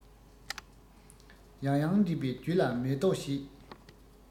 ཡང ཡང འདྲིས པས རྒྱུད ལ མེ ཏོག བཞད